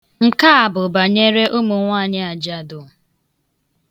Nke a bụ banyere ụmụnwaanyị ajadụ.